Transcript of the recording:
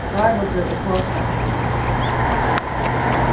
várrullur í posa